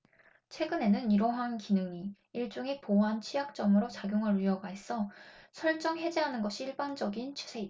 최근에는 이러한 기능이 일종의 보안취약점으로 작용할 우려가 있어 설정해제하는 것이 일반적인 추세다